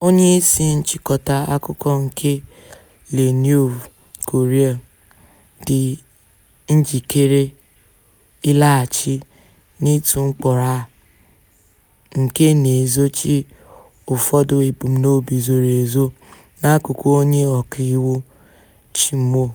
Onyeisi nchịkọta akụkọ nke "Le Nouveau Courrier" dị njikere ịlaghachi n'ịtụ mkpọrọ a nke na-ezochi ụfọdụ ebumnobi zoro ezo n'akụkụ onye ọkaiwu Tchimou.